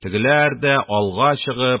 Тегеләр дә алга чыгып,